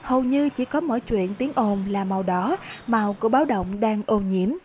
hầu như chỉ có mỗi chuyện tiếng ồn là màu đỏ màu của báo động đang ô nhiễm